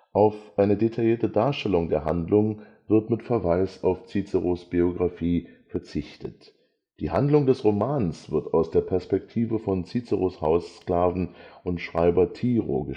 Auf eine detaillierte Darstellung der Handlung wird mit Verweis auf Ciceros Biographie verzichtet. Die Handlung des Romans wird aus der Perspektive von Ciceros Haussklaven und Schreiber Tiro